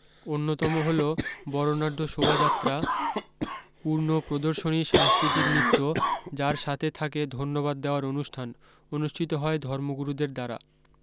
অন্যতম হল বরণাঢ্য শোভাযাত্রা পূর্ণ প্রদর্শনী সাংস্কৃতিক নৃত্য যার সাথে থাকে ধন্যবাদ দেওয়ার অনুষ্ঠান অনুষ্ঠিত হয় ধর্মগুরুদের দ্বারা